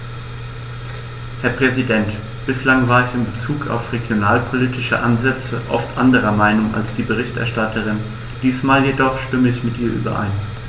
Herr Präsident, bislang war ich in bezug auf regionalpolitische Ansätze oft anderer Meinung als die Berichterstatterin, diesmal jedoch stimme ich mit ihr überein.